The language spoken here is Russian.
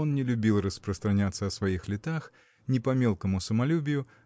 он не любил распространяться о своих летах не по мелкому самолюбию